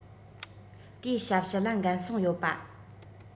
དེའི ཞབས ཞུ ལ འགན སྲུང ཡོད པ